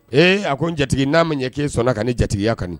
Ee a ko n jatigi na ma ɲɛ ke sɔnna ka ne jatigiya kɔni